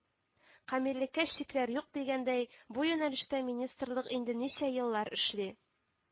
Камиллеккә чикләр юк дигәндәй, бу юнәлештә министрлык инде ничә еллар эшли